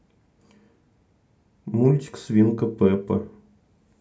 мультики свинка пеппа